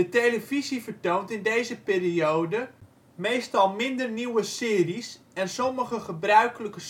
televisie vertoont in deze periode meestal minder nieuwe series en sommige gebruikelijke